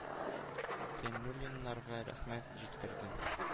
Зәйнуллиннарга рәхмәт җиткерде.